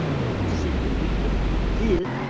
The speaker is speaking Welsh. Un sy'n ddywediad pob dydd.